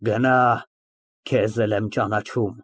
Գնա, քեզ էլ եմ ճանաչում։